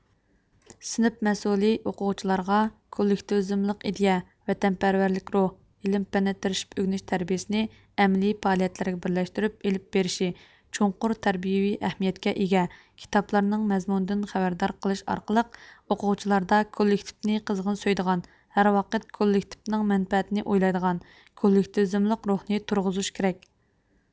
سىنىپ مەسئۇلى ئوقۇغۇچىلارغا كوللېكتىۋىزىملىق ئىدىيە ۋەتەنپەرەرلىك روھ ئىلىم پەننى تىرىشىپ ئۆگىنىش تەربىيىسىنى ئەمەلىي پائالىيەتلەرگە بىرلەشتۈرۈپ ئېلىپ بېرىشى چوڭقۇر تەربىيىۋى ئەھمىيەتكە ئىگە كىتابلارنىڭ مەزمۇنىدىن خەۋەردار قىلىش ئارقىلىق ئوقۇغۇچىلاردا كوللىكتىپىنى قىزغىن سۆيىدىغان ھەرۋاقىت كوللېكتىپىنىڭ مەنپەئەتىنى ئويلايدىغان كوللېكتىۋىزملىق روھىنى تۇرغۇزۇش كېرەك